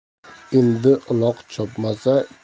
endi uloq chopmasa